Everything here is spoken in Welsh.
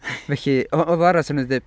Felly, fel arall 'sen nhw 'di deud...